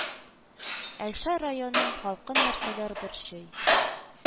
Әлшәй районы халкын нәрсәләр борчый